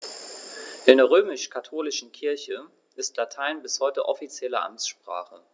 In der römisch-katholischen Kirche ist Latein bis heute offizielle Amtssprache.